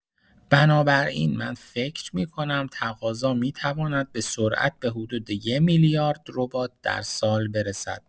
بنابراین من فکر می‌کنم تقاضا می‌تواند به‌سرعت به حدود ۱ میلیارد ربات در سال برسد.